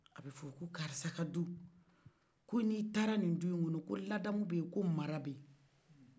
a bɛ fɔ ko karisa ka du yi ko ni taara ni duyi kɔnɔ ko ladamu bɛyi ko mara bɛyi